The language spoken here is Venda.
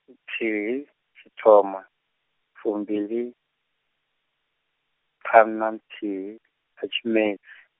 thihi, tshithoma, fumbiliṱhanu na nthihi kha Tshimedzi.